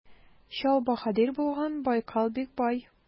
Чал баһадир булган Байкал бик бай.